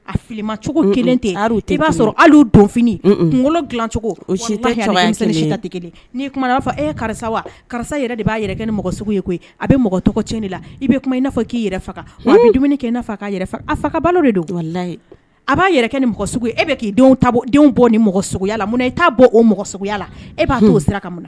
A'a sɔrɔf kunkolo dilacogo n''a karisa wa karisa de b'a kɛ ni mɔgɔ ye koyi a bɛ mɔgɔ i'a k'i yɛrɛ faga dumuniini kɛ n'a' a fa balo de donla a b'a yɛrɛ ni mɔgɔ e k'i bɔ ni mɔgɔ mun i t'a bɔ o mɔgɔya la e b'a' o mun